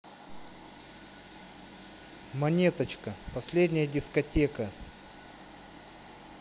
монеточка последняя дискотека